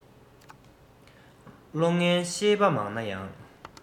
བློ ངན ཤེས པ མང ན ཡང